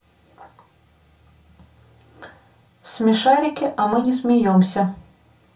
смешарики а мы не смеемся